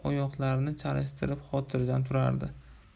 oyoqlarini chalishtirib xotirjam turardi